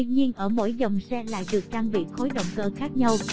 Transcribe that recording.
tuy nhiên ở mỗi dòng xe lại được trang bị khối động cơ khác nhau